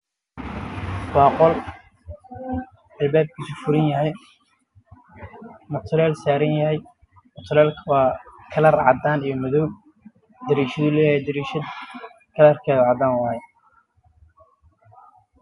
Waa qol albaabka furan yahay